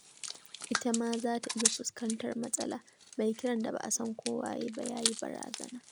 Ita ma za ta iya fuskantar matsala, mai kiran da ba a san ko waye ba ya yi baraza.